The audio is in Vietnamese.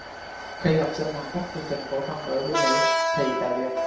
khi học sinh hoàn tất chương trình phổ thông ở bên mỹ thì tại việt